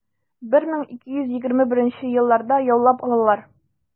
1221 елларда яулап алалар.